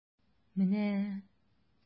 Менә...